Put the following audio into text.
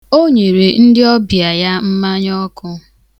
O nyere ndị ọbịa ya mmanyaọkụ